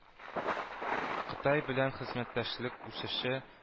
«кытай белән хезмәттәшлек үсеше